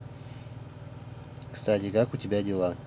кстати как у тебя дела